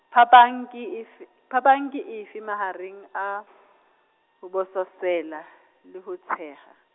phapang ke efe, phapang ke efe mahareng a , ho bososela, le ho tsheha?